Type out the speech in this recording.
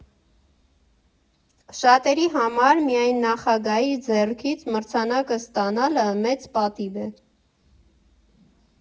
Շատերի համար միայն նախագահի ձեռքից մրցանակը ստանալը մեծ պատիվ է։